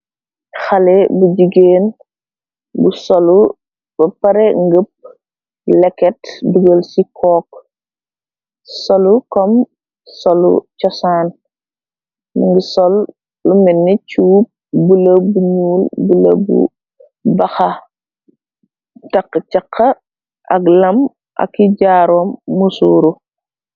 Xale bu jigeen , bu solu ba pare ngëpp lekket dugel ci cok, solu kom solu cosan , mingi sol lu menne cuub , bule bu ñuul , bule bu baxa , tax cax ak lam aki jaaroom musuuru.